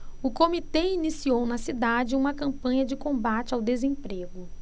o comitê iniciou na cidade uma campanha de combate ao desemprego